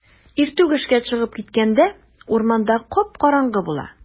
Иртүк эшкә чыгып киткәндә урамда кап-караңгы була.